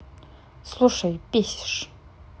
слушай бесишь